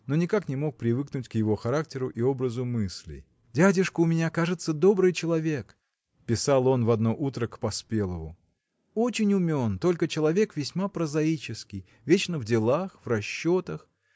но никак не мог привыкнуть к его характеру и образу мыслей. Дядюшка у меня кажется добрый человек – писал он в одно утро к Поспелову – очень умен только человек весьма прозаический вечно в делах в расчетах.